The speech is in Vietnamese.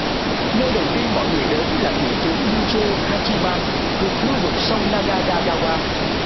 nơi đầu tiên mọi người đến là thị trấn gư chô ha chi man thuộc lưu vực sông na ga ra ga goa